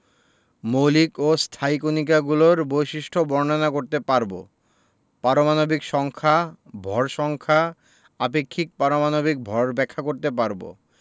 মৌলিক ও স্থায়ী কণিকাগুলোর বৈশিষ্ট্য বর্ণনা করতে পারব পারমাণবিক সংখ্যা ভর সংখ্যা আপেক্ষিক পারমাণবিক ভর ব্যাখ্যা করতে পারব